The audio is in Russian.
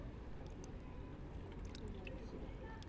плох